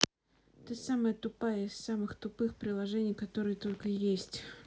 ты самая тупая из самых тупых приложений которые только есть